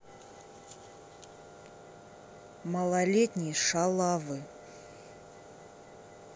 малолетние шалавы